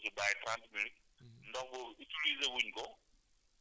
bàyyi fa ndox bi jël Aquatabs dugal ko ci ba ay trente minutes